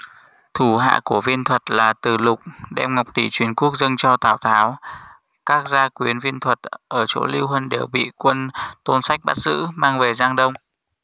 thủ hạ của viên thuật là từ lục đem ngọc tỷ truyền quốc dâng cho tào tháo các gia quyến viên thuật ở chỗ lưu huân đều bị quân tôn sách bắt giữ mang về giang đông